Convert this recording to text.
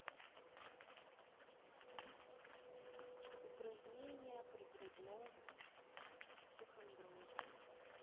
упражнения при грудном все хандрозе